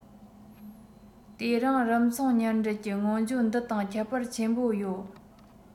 དེ རིང རིམ མཚུངས མཉམ འགྲན གྱི སྔོན སྦྱོང འདི དང ཁྱད པར ཆེན པོ ཡོད